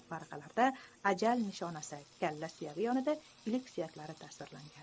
varaqalarda ajal nishonasi kalla suyagi yonida ilik suyaklari tasvirlangan